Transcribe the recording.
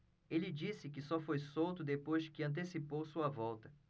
ele disse que só foi solto depois que antecipou sua volta